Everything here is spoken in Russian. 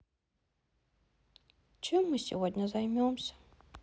чем мы сегодня займемся